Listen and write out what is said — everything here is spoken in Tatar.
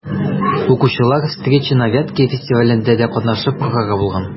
Укучылар «Встречи на Вятке» фестивалендә дә катнашып карарга булган.